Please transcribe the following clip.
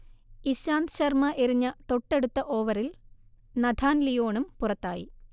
ഇശാന്ത് ശർമ എറിഞ്ഞ തൊട്ടടുത്ത ഓവറിൽ നഥാൻ ലിയോണും പുറത്തായി